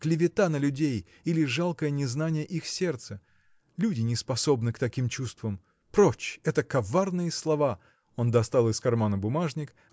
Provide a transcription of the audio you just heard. клевета на людей или жалкое незнание их сердца. Люди не способны к таким чувствам. Прочь – это коварные слова!. Он достал из кармана бумажник